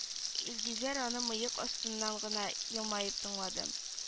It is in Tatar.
Илгизәр аны мыек астыннан гына елмаеп тыңлады